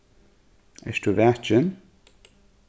ert tú vakin